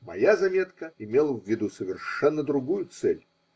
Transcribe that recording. Моя заметка имела в виду совершенно другую цель.